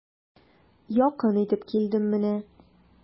Якын итеп килдем менә.